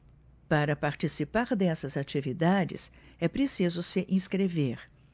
para participar dessas atividades é preciso se inscrever